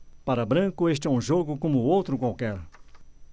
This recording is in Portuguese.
para branco este é um jogo como outro qualquer